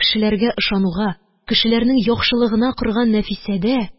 Кешеләргә ышануга, кешеләрнең яхшылыгына корган нәфисәдә,